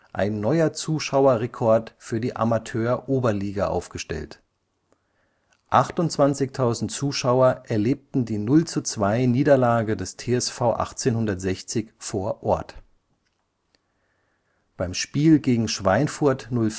ein neuer Zuschauerrekord für die Amateuroberliga aufgestellt, 28.000 Zuschauer erlebten die 0:2-Niederlage des TSV 1860 vor Ort. Beim Spiel gegen Schweinfurt 05